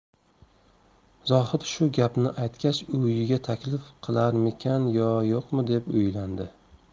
zohid shu gapni aytgach uyiga taklif qilarmikin yo yo'qmi deb o'ylandi